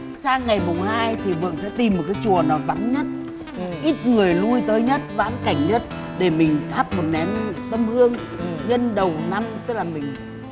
sang ngày mùng hai thì vượng sẽ tìm một cái chùa nào vắng nhất ít người lui tới nhất vãn cảnh nhất để mình thắp một nén tâm hương nhân đầu năm tức là mình